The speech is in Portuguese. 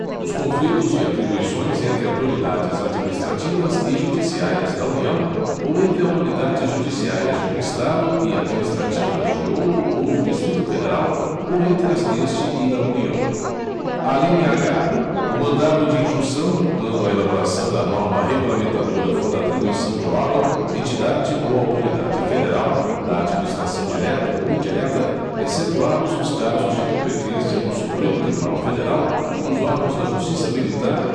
os conflitos de atribuições entre autoridades administrativas e judiciárias da união ou entre autoridades judiciárias de um estado e administrativas de outro ou do distrito federal ou entre as deste e da união alínea h o mandado de injunção quando a elaboração da norma regulamentadora for atribuição de órgão entidade ou autoridade federal da administração direta ou indireta excetuados os casos de competência do supremo tribunal federal e dos órgãos da justiça militar